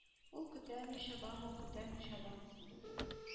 Ул көтә, мин чабам... ул көтә, мин чабам!